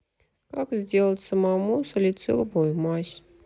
как сделать самому салициловую мазь